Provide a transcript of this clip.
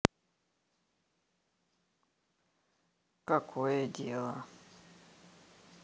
какое дело